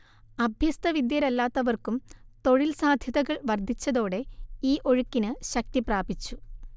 അഭ്യസ്തവിദ്യരല്ലാത്തവർക്കും തൊഴിൽ സാധ്യതകൾ വർദ്ധിച്ചതോടെ ഈ ഒഴുക്കിന് ശക്തി പ്രാപിച്ചു